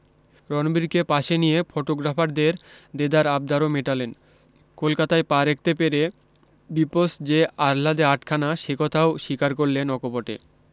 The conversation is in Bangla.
রণবীরকে পাশে নিয়ে ফটোগ্রাফারদের দেদার আবদারও মেটালেন কলকাতায় পা রাখতে পেরে বিপস যে আহলাদে আটখানা সেকথাও স্বীকার করলেন অকপটে